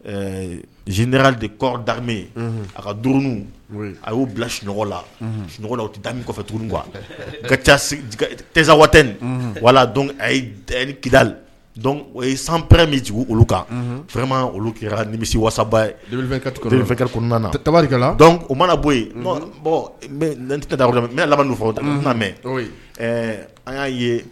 Ɛɛ zra de kɔ dame ye a ka du a y'o bila sunɔgɔ la sunɔgɔ tɛ da min kɔfɛ tuguni ka tzsa wat wala a ye kili o ye sanɛ minjugu olu kan fɛnma olu kɛra ka nimi wasa kɔnɔna tari o mana bɔ yen bɔn da yɔrɔ mɛ laban mɛn an y'a ye